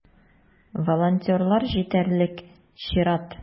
Волонтерлар җитәрлек - чират.